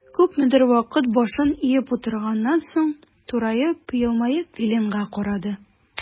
Күпмедер вакыт башын иеп утырганнан соң, тураеп, елмаеп Виленга карады.